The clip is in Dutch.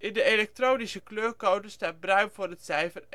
de elektronische kleurcode staat bruin voor het cijfer